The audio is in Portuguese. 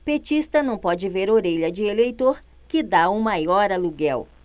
petista não pode ver orelha de eleitor que tá o maior aluguel